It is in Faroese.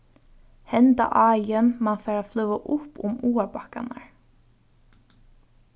henda áin man fara at fløða upp um áarbakkarnar